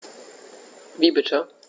Wie bitte?